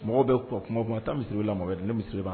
Mɔgɔ bɛ kuma kuma a taa misiri weelela Muhamɛdi mɔgɔ